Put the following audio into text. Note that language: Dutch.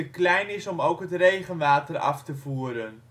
klein is om ook het regenwater af te voeren